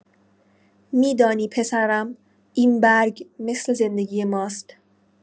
می‌دانی پسرم، این برگ مثل زندگی ماست.